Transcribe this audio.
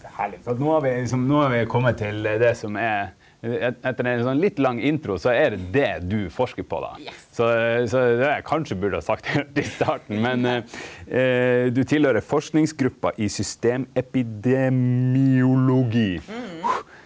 herleg for at no har vi liksom no har vi komme til det som er etter ein sånn litt lang intro så er det det du forskar på då, så så det er det eg kanskje burde ha sagt i starten, men du tilhøyrer forskingsgruppa i systemepidemiologi.